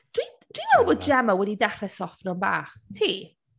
Dwi dwi’n meddwl bod Gemma wedi dechrau soffeno bach, ti?